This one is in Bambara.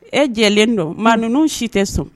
E jɛlen don ma ninnu si tɛ sɔn